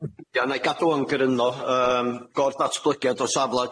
Ie na'i gadw 'wn grynno yym gorff natblygiad dros afladd